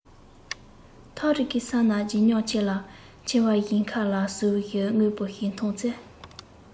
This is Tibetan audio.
ཐག རིང གི ས ན བརྗིད ཉམས ཆེ ལ མཆེ བ བཞིན མཁའ ལ ཟུག བའི དངོས པོ ཞིག མཐོང ཚེ